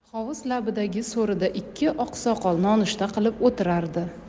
hovuz labidagi so'rida ikki oqsoqol nonushta qilib o'tirardi